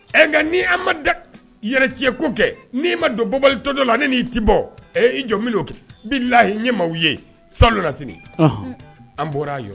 Ee nka ni adamaden yɛrɛ tiɲɛ ko kɛ min ma don bɔbalitɔtɔ la ne n'i tɛ bɔ, i jɔ n bɛn'o kɛ bilahi ne ye maw ye, ɔnhɔn , salo na sini an bɔra a yɔrɔ.